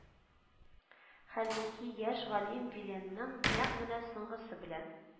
Хәлбуки яшь галим Виленның нәкъ менә соңгысы белән